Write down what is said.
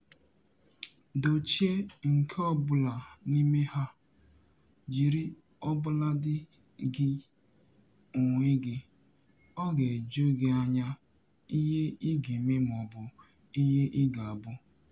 Dochie [nke ọ bụla n'ime ha] jiri ọbụladị gị onwe gị, ọ ga-eju gị anya ihe ị ga-eme maọbụ ihe ị ga-abụ.